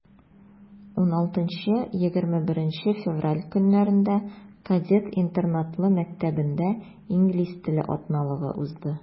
16-21 февраль көннәрендә кадет интернатлы мәктәбендә инглиз теле атналыгы узды.